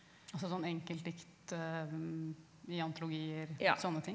altså sånn enkeltdikt i antologier sånne ting?